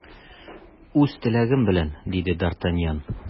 Үз теләгем белән! - диде д’Артаньян.